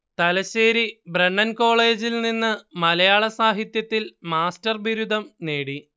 Thalassery Brennen കോളേജിൽ നിന്ന് മലയാള സാഹിത്യത്തിൽ മാസ്റ്റർ ബിരുദം നേടി